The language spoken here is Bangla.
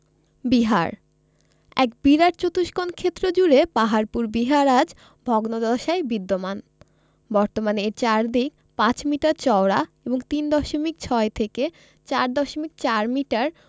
বিহারঃ এক বিরাট চতুষ্কোণ ক্ষেত্র জুড়ে পাহাড়পুর বিহার আজ ভগ্নদশায় বিদ্যমান বর্তমানে এর চারদিক ৫ মিটার চওড়া এবং ৩ দশমিক ৬ থেকে ৪ দশমিক ৪ মিটার